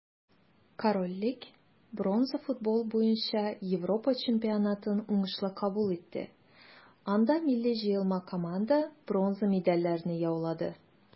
Корольлек бронза футбол буенча Европа чемпионатын уңышлы кабул итте, анда милли җыелма команда бронза медальләрне яулады.